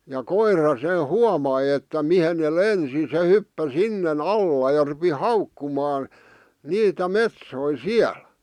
ja koira se huomasi että mihin ne lensi se hyppäsi sinne alla ja rupesi haukkumaan niitä metsoja siellä